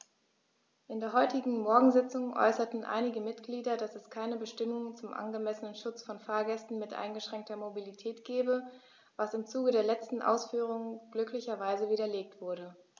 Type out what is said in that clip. In der heutigen Morgensitzung äußerten einige Mitglieder, dass es keine Bestimmung zum angemessenen Schutz von Fahrgästen mit eingeschränkter Mobilität gebe, was im Zuge der letzten Ausführungen glücklicherweise widerlegt wurde.